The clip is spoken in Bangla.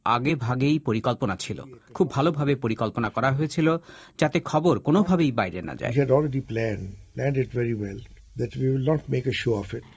আগেভাগেই পরিকল্পনা ছিল খুব ভালো ভাবে পরিকল্পনা করা হয়েছিল যাতে খবর কোনভাবেই বাইরে না যায় we had already planned planned it very well we will not make a show of it